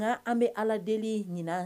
N'ka an bɛ ala deli ɲinan